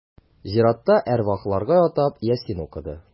Зиратта әрвахларга атап Ясин укыды.